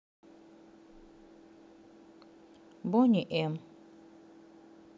бони м